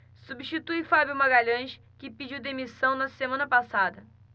substitui fábio magalhães que pediu demissão na semana passada